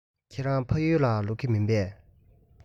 ཁྱེད རང ཕ ཡུལ ལ ལོག གི མིན པས